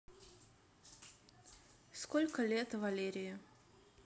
сколько лет валерии